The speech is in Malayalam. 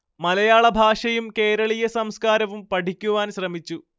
മലയാള ഭാഷയും കേരളീയ സംസ്കാരവും പഠിക്കുവാൻ ശ്രമിച്ചു